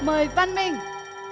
mời văn minh